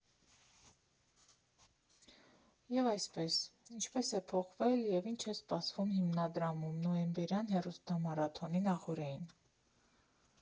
Եվ այսպես, ի՞նչ է փոխվել և ի՞նչ է սպասվում հիմնադրամում՝ նոյեմբերյան հեռուստամարաթոնի նախօրեին։